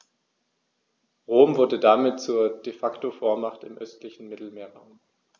Rom wurde damit zur ‚De-Facto-Vormacht‘ im östlichen Mittelmeerraum.